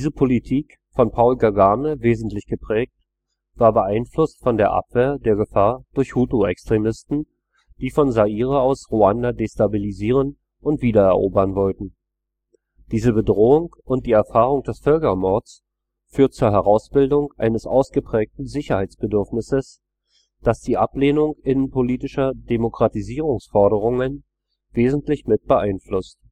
Politik, von Paul Kagame wesentlich geprägt, war beeinflusst von der Abwehr der Gefahr durch Hutu-Extremisten, die von Zaire aus Ruanda destabilisieren und wiedererobern wollten. Diese Bedrohung und die Erfahrung des Völkermords führten zur Herausbildung eines ausgeprägten Sicherheitsbedürfnisses, das die Ablehnung innenpolitischer Demokratisierungsforderungen wesentlich mit beeinflusst